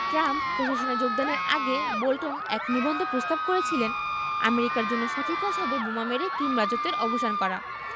Trump প্রশাসনে যোগদানের আগে বোল্টন এক নিবন্ধে প্রস্তাব করেছিলেন আমেরিকার জন্য সঠিক কাজ হবে বোমা মেরে কিম রাজত্বের অবসান করা